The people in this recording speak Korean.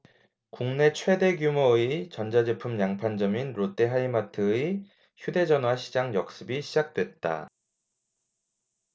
국내 최대 규모의 전자제품 양판점인 롯데하이마트의 휴대전화 시장 역습이 시작됐다